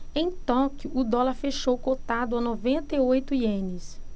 em tóquio o dólar fechou cotado a noventa e oito ienes